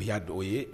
I y'a dɔw ye